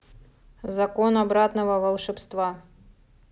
закон обратного волшебства